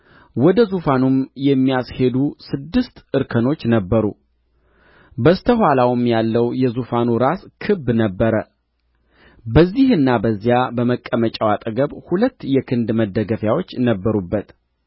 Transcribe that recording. ወደ ዙፋንም የሚያስሄዱ ስድስት እርከኖች ነበሩ በስተ ኋላውም ያለው የዙፋኑ ራስ ክብ ነበረ በዚህና በዚያ በመቀመጫው አጠገብ ሁለት የክንድ መደገፊያዎች ነበሩበት